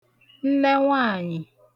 nnẹnwaànyị̀